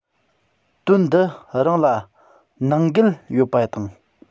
དོན འདི རང ལ ནང འགལ ཡོད པ དང